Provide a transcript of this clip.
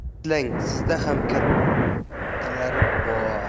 eslang sizda ham kattalari bor